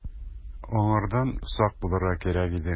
Аңардан сак булырга кирәк иде.